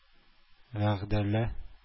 Вәгъдәле